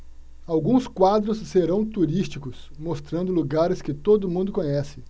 alguns quadros serão turísticos mostrando lugares que todo mundo conhece